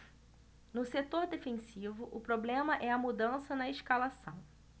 no setor defensivo o problema é a mudança na escalação